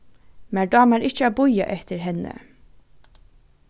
mær dámar ikki at bíða eftir henni